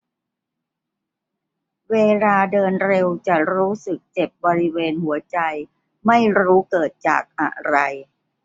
เวลาเดินเร็วจะรู้สึกเจ็บบริเวณหัวใจไม่รู้เกิดจากอะไร